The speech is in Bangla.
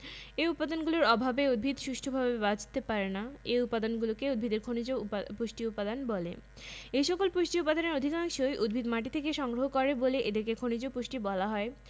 ১৮ উদ্ভিদ বিজ্ঞান 5.1 উদ্ভিদের খনিজ বা মিনারেল পুষ্টি উদ্ভিদ তার বৃদ্ধি ও পরিপুষ্টির জন্য মাটি বায়ু এবং পানি থেকে কতগুলো উপদান গ্রহণ করে